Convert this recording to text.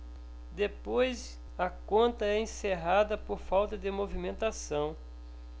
depois a conta é encerrada por falta de movimentação